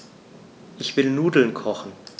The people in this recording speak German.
Ich will Nudeln kochen.